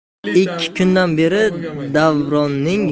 ikki kundan beri davronning